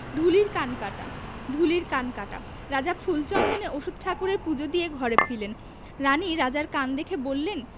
ঢুলির কান কাটা ঢুলির কান কাটা রাজা ফুল চন্দনে অশ্বত্থ ঠাকুরের পুজো দিয়ে ঘরে ফিরলেন রানী রাজার কান দেখে বললেন